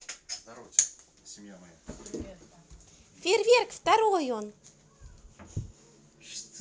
фейерверк второй ой